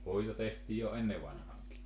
voita tehtiin jo ennen vanhaankin